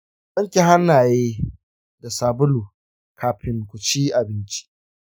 ku wanke hannaye da sabulu kafin ku ci abinci.